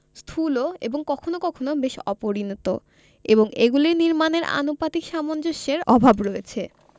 স্থূল এবং কখনও কখনও বেশ অপরিণত এবং এগুলির নির্মাণের আনুপাতিক সামঞ্জস্যের অভাব রয়েছে